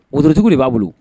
Wotorotigiw de b'a bolo